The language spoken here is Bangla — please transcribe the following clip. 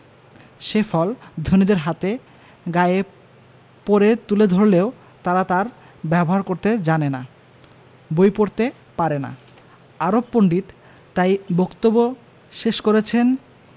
সে ফল ধনীদের হাতে গায়ে পড়ে তুলে ধরলেও তারা তার ব্যবহার করতে জানে না বই পড়তে পারে না আরব পণ্ডিত তাই বক্তব্য শেষ করেছেন